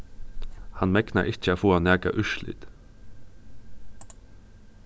hann megnar ikki at fáa nakað úrslit